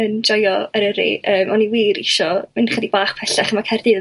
yn joio Eryri yy o'n i wir isio mynd 'chydig bach pellach a ma' Caerdydd yn